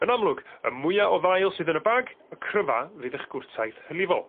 Yn amlwg y mwya o ddail sydd yn y bag y cryfa fydd 'ych gwrtaith hylifol.